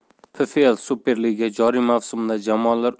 pflsuperliga joriy mavsumida jamoalar